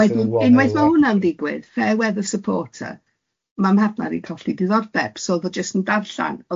A wedyn unwaith ma' hwnna'n digwydd, fair weather supporter, ma' mhartnar i colli diddordeb, so oedd o jyst yn darllan.